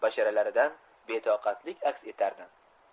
basharalaridan betokatlik aks etardi